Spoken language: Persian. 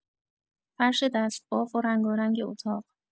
فرش دستباف و رنگارنگ اتاق